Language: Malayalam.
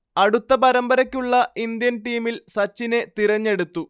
അടുത്ത പരമ്പരക്കുള്ള ഇന്ത്യൻ ടീമിൽ സച്ചിനെ തിരഞ്ഞെടുത്തു